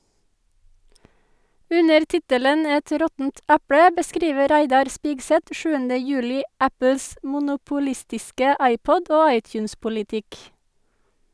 Under tittelen «Et råttent eple» beskriver Reidar Spigseth 7. juli Apples monopolistiske iPod- og iTunes-politikk.